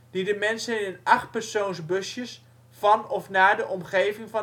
die de mensen in 8-persoonsbusjes van of naar de omgeving